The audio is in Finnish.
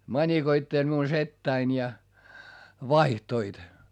manikoitteli minun setäni ja vaihtoivat